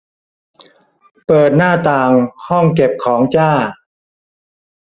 เปิดหน้าต่างห้องเก็บของจ้า